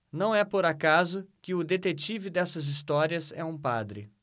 não é por acaso que o detetive dessas histórias é um padre